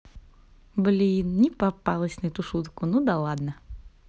блин не попалась на эту шутку но ладно